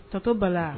Tatɔ bala la